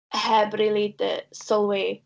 Heb rili 'di sylwi.